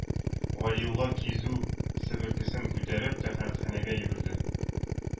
Галиулла кизү, себеркесен күтәреп, тәһарәтханәгә йөгерде.